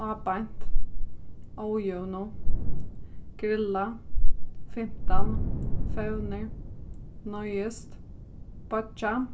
ábeint ójøvnu grilla fimtan fevnir noyðist boyggja